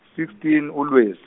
sixteen uLwezi.